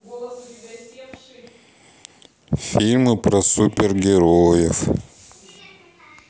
фильмы про супергероев